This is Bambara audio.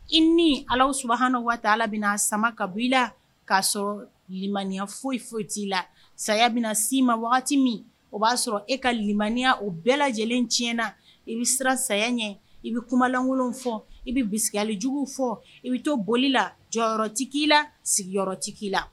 I ni ala s ha waati bɛna sama kabi i la k'a sɔrɔ limaya foyi foyi' la saya bɛna si ma wagati min o b'a sɔrɔ e ka mya o bɛɛ lajɛlen ti na i bɛ siran saya ɲɛ i bɛ kumalankolon fɔ i bɛ bisimilalijugu fɔ i bɛ to boli la jɔyɔrɔ tigi'i la sigiyɔrɔ tigi k'i la